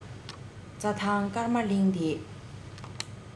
རྩ ཐང སྐར མ གླིང འདི